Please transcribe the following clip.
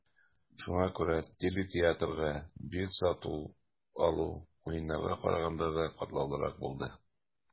Шуңа күрә телетеатрга билет сатып алу, Уеннарга караганда да катлаулырак булды.